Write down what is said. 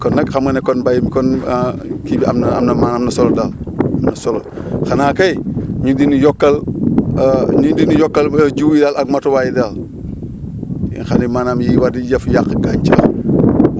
kon nag xam nga ne kon mbéy mi kon kii bi am na am na maa am na solo daal am na solo xanaa kay ñu di ñu yokkal ñu di ñu yokkal jiw ya ak matuwaay yi daal yi nga xam ne maanaam yiy war di def yàq gàncax